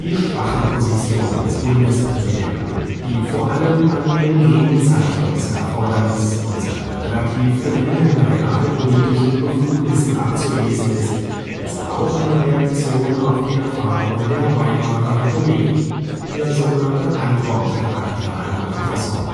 schwache Position des Bundespräsidenten, die vor allem an dem Gegenzeichnungserfordernis und seinen relativ geringen realpolitischen Befugnissen abzulesen ist, ist auch eine Reaktion auf die Erfahrungen der Weimarer Republik (sog. Antwortcharakter einer Verfassung